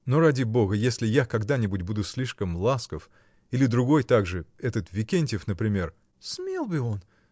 Но, ради Бога, если я когда-нибудь буду слишком ласков или другой также, этот Викентьев например. — Смел бы он!